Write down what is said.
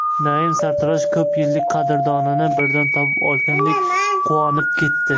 naim sartarosh ko'p yillik qadrdonini birdan topib olgandek quvonib ketdi